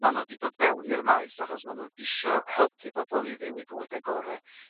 Ma' n'w 'di dod fewn i'r maes achos ma' n'w isio helpu bobol i fyw 'u bywyde gore'.